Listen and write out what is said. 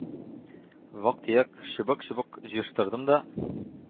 Вак-төяк чыбык-чабык җыештырдым да